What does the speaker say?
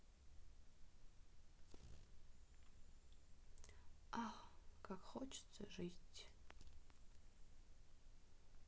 ах как хочется жить